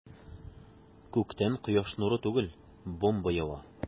Күктән кояш нуры түгел, бомба ява.